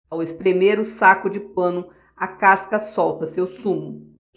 ao espremer o saco de pano a casca solta seu sumo